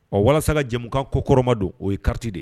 Ɔ walasa ka jɛkan ko kɔrɔma don o ye kariti de